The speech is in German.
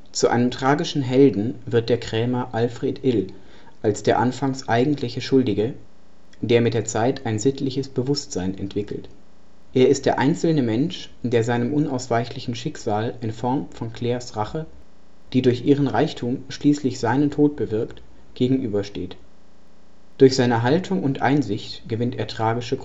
Zu einem tragischen Helden wird der Krämer Alfred Ill als der anfangs eigentliche Schuldige, der mit der Zeit ein sittliches Bewusstsein entwickelt. Er ist der einzelne Mensch, der seinem unausweichlichen Schicksal in Form von Claires Rache, die durch ihren Reichtum schließlich seinen Tod bewirkt, gegenübersteht. Durch seine Haltung und Einsicht gewinnt er tragische